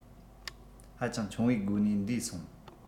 ཧ ཅང ཆུང བའི སྒོ ནས འདས སོང